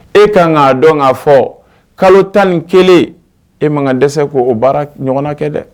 E ka k'a dɔn k'a fɔ kalo tan ni kelen e ma ka dɛsɛ k ko o baara ɲɔgɔn kɛ dɛ